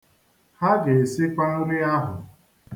Ha ga-esikwa nri ahụ.